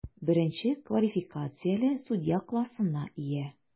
Беренче квалификацияле судья классына ия.